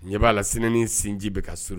Ɲɛ b'a la sinɛnin sinji bɛ ka suru